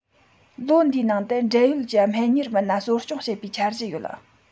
ལོ འདིའི ནང དུ འབྲེལ ཡོད ཀྱི སྨན གཉེར མི སྣ གསོ སྐྱོང བྱེད པའི འཆར གཞི ཡོད